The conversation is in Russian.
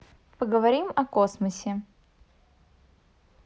поговорим о космосе